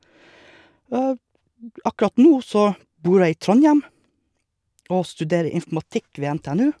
Og akkurat nå så bor jeg i Trondhjem, og studerer informatikk ved NTNU.